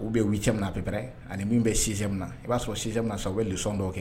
U bɛ wuli min ppɛrɛ ani min bɛ s minɛ i b'a sɔrɔ s sinsɛ minɛ sa u bɛ sɔn dɔw kɛ